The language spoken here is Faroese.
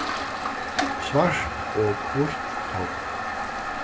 svart og hvítt tógv